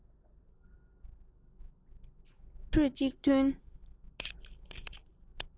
མ བགྲོས གཅིག མཐུན